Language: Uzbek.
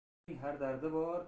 har kimning har dardi bor